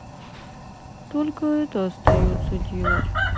только это остается делать